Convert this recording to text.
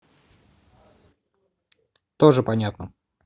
тоже понятно